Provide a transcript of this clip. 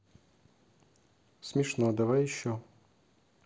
смешно давай еще